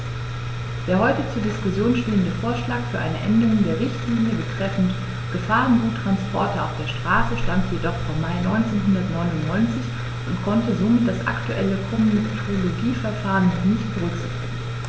Der heute zur Diskussion stehende Vorschlag für eine Änderung der Richtlinie betreffend Gefahrguttransporte auf der Straße stammt jedoch vom Mai 1999 und konnte somit das aktuelle Komitologieverfahren noch nicht berücksichtigen.